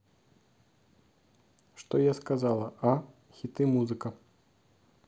что я сказала а хиты музыка